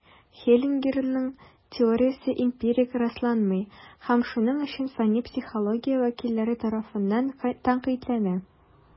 Хеллингерның теориясе эмпирик расланмый, һәм шуның өчен фәнни психология вәкилләре тарафыннан тәнкыйтьләнә.